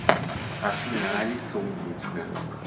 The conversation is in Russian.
афина а алиса умнее тебя